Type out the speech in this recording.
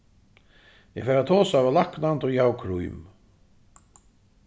eg fari at tosa við læknan tí eg havi krím